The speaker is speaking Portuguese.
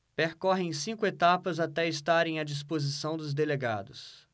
percorrem cinco etapas até estarem à disposição dos delegados